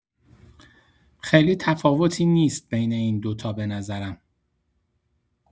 خیلی تفاوتی نیست بین این دو تا بنظرم